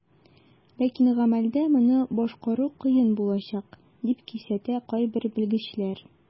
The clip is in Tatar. Ләкин гамәлдә моны башкару кыен булачак, дип кисәтә кайбер белгечләр.